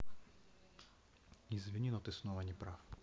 извини но ты снова неправ